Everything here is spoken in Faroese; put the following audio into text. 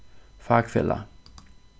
fakfelag